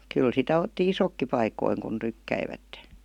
kyllä sitä otti isotkin paikoin kun tykkäsivät